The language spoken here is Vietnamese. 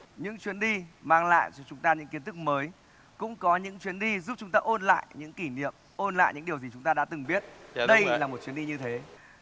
những chuyến đi mang lại cho chúng ta những kiến thức mới cũng có những chuyến đi giúp chúng ta ôn lại những kỷ niệm ôn lại những điều gì chúng ta đã từng biết đây là một chuyến đi như thế